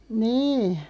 niin